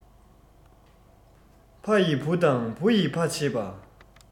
ཕ ཡིས བུ དང བུ ཡིས ཕ བྱེད པ